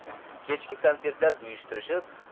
kechki kontsertlar uyushtirishib